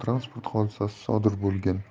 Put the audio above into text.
transport hodisasi sodir bo'lgan